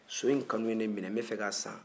so in kanu ye ne minɛ n bɛ fɛ k'a san